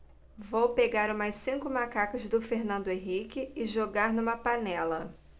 vou pegar umas cinco macacas do fernando henrique e jogar numa panela